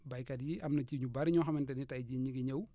baykat yi am na ci ñu bari ñoo xamante ni tey jii ñu ngi ñëw